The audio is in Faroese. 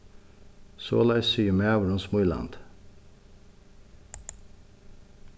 soleiðis sigur maðurin smílandi